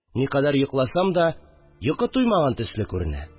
Никадәр йокласам да, йокы туймаган төсле күренә